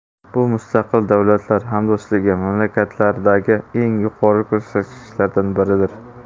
bu mustaqil davlatlar hamdo'stligi mamlakatlaridagi eng yuqori ko'rsatkichlardan biridir